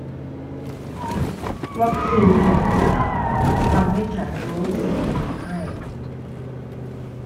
วัคซีนเข็มสามทำให้ฉันรู้สึกมีไข้